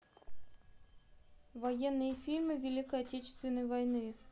военные фильмы великой отечественной войны